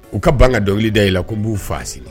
U ka ban ka dawubili da i la ko b'u faasi